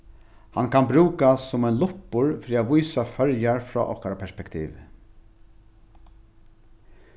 hann kann brúkast sum ein luppur fyri at vísa føroyar frá okkara perspektivi